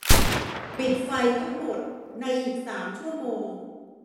ปิดไฟทั้งหมดในอีกสามชั่วโมง